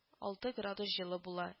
Алты градус җылы була